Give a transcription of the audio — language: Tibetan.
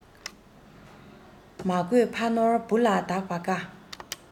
མ བཀོད ཕ ནོར བུ ལ བདག པ དཀའ